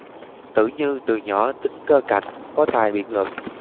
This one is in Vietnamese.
tử như từ nhỏ tính cơ cảnh có tài biện luận